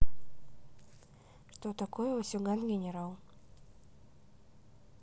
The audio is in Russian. что такое васюган генерал